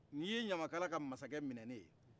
n'i ye ɲamakala ka masakɛ minɛnen ye